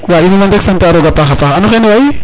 Wa in way men rek sante a roog a paax a paax an oxeene waay.